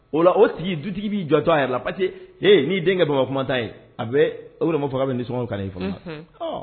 O la o sigi dutigi'i jɔtɔ a yɛrɛ la pa ee n'i denkɛ dɔgɔ kuma' ye a bɛ'a fɔ ka bɛ nisɔngɔ ka nin fɔ